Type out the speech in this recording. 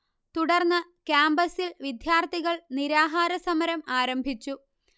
തുടർന്ന് കാമ്പസ്സിൽ വിദ്യാർത്ഥികൾ നിരാഹാരസമരം ആരംഭിച്ചു